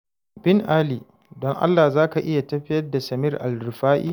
Bin Ali, don Allah za ka iya tafiya da Samir alrifai?